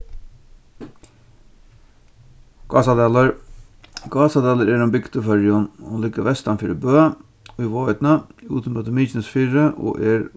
gásadalur gásadalur er ein bygd í føroyum hon liggur vestan fyri bø í vágoynni út móti mykinesfirði og er